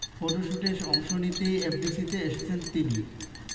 ফটশুটে অংশ নিতেই এফডিসিতে এসেছেন তিনি